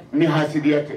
Ne haya tɛ